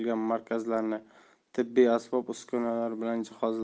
etilgan markazlarni tibbiy asbob uskunalar bilan jihozlash